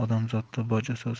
odamzotda boja soz